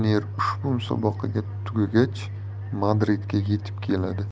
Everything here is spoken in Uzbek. reynier ushbu musobaqa tugagach madridga yetib keladi